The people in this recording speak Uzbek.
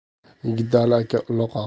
yigitali aka uloq